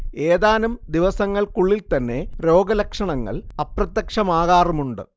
ഏതാനും ദിവസങ്ങൾക്കുള്ളിൽ തന്നെ രോഗലക്ഷണങ്ങൾ അപ്രത്യക്ഷമാകാറുമുണ്ട്